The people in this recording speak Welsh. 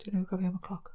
Dwi newydd gofio am y cloc.